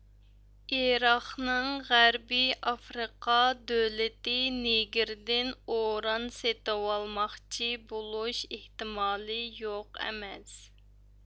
ئىراقنىڭ غەربىي ئافرىقا دۆلىتى نېگىردىن ئۇران سېتىۋالماقچى بولۇش ئېھتىمالى يوق ئەمەس